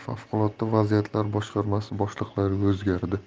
favqulodda vaziyatlar boshqarmasi boshliqlari o'zgardi